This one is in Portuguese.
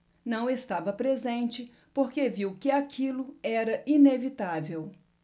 não estava presente porque viu que aquilo era inevitável